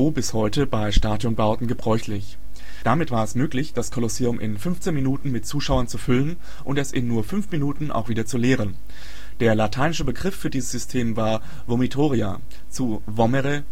bis heute bei Stadionbauten gebräuchlich. Damit war es möglich, das Kolosseum in 15 Minuten mit Zuschauern zu füllen und es in nur fünf Minuten auch wieder zu leeren. Der lateinische Begriff für dieses System war vomitoria (zu vomere